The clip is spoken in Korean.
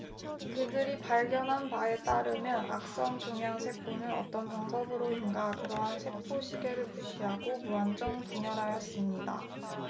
그들이 발견한 바에 따르면 악성 종양 세포는 어떤 방법으로인가 그러한 세포 시계를 무시하고 무한정 분열하였습니다